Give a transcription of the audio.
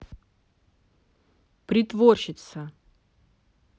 притворщица